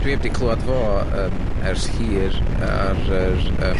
Dwi 'eb 'di clywad fo yym, ers hir, ar yr yym...